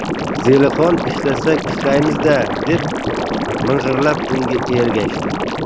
zelixon ishlasak ishlaymiz da deb ming'irlab unga ergashdi